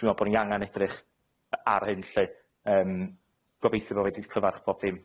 Dwi me'wl bo ni angan edrych yy ar hyn lly yym gobeithio bo fi 'di cyfarch bob dim.